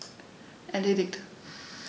Erledigt.